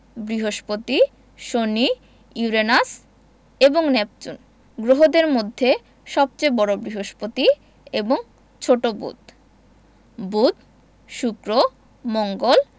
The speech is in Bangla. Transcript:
বৃহস্পতি শনি ইউরেনাস এবং নেপচুন গ্রহদের মধ্যে সবচেয়ে বড় বৃহস্পতি এবং ছোট বুধ বুধ শুক্র মঙ্গল